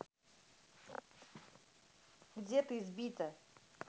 где ты избита